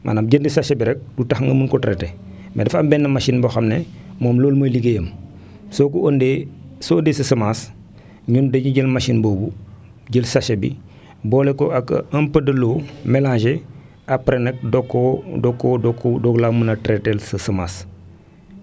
maanaam jënd sachet bi rek du tax nga mën ko traité mais dafa am benn machine boo xam ne moom loolu mooy liggéeyam soo ko indee soo indee sa semence ñun dañuy jël machine boobu jël sachet bi boole ko ak un peu de l' eau mélangé après nag doog koo doog koo doog koo doog laa mën a traité teel sa semence